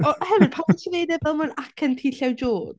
O, hefyd pam o't ti'n wneud e fel mewn acen T Llew Jones?